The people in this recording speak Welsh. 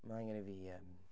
Ma' angen i fi...